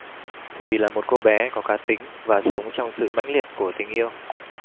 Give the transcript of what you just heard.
thùy là một cô bé có cá tính và sống trong sự mãnh liệt của tình yêu